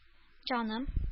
Җаным